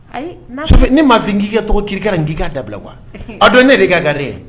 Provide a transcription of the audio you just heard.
Ayi so ne mafin k'ikɛ tɔgɔ kika n ki' dabila wa a don ne de ka garire ye